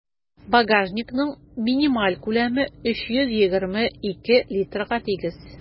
Багажникның минималь күләме 322 литрга тигез.